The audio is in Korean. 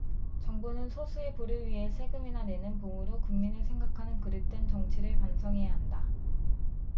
정부는 소수의 부를 위해 세금이나 내는 봉으로 국민을 생각하는 그릇된 정치를 반성해야 한다